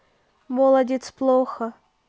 молодец плохо